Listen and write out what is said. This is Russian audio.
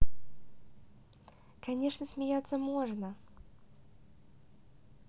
конечно смеяться можно